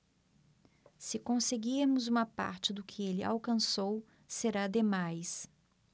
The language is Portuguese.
se conseguirmos uma parte do que ele alcançou será demais